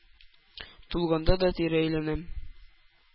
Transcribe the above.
Тулганда да тирә-әйләнәм.